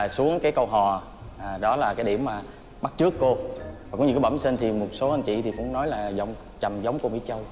dạ xuống cái câu hò à đó là cái điểm mà bắt chước cô còn những cái bẩm sinh thì một số anh chị thì cũng nói là giọng trầm giống của mỹ châu